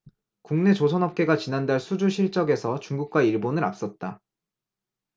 국내 조선업계가 지난달 수주 실적에서 중국과 일본을 앞섰다